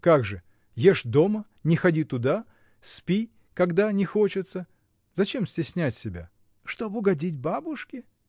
— Как же: ешь дома, не ходи туда, спи, когда не хочется, — зачем стеснять себя? — Чтоб угодить бабушке.